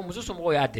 Muso sumaworo y'a